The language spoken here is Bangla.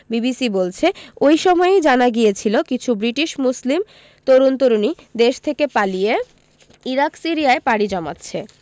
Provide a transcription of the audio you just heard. বিবিসি বলছে ওই সময়ই জানা গিয়েছিল কিছু ব্রিটিশ মুসলিম তরুণ তরুণী দেশ থেকে পালিয়ে ইরাক সিরিয়ায় পাড়ি জমাচ্ছে